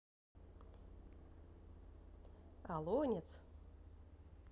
олонец